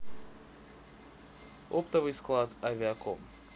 оптовый склад авиаком